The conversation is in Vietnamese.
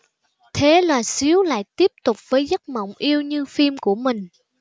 thế là xíu lại tiếp tục với giấc mộng yêu như phim của mình